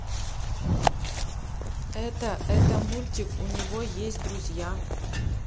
это это мультик у него есть друзья